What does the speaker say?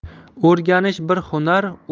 o'rganish bir hunar